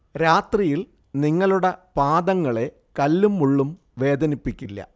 രാത്രിയിൽ നിങ്ങളുടെ പാദങ്ങളെ കല്ലും മുള്ളും വേദനിപ്പിക്കില്ല